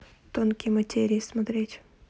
тонкие материи смотреть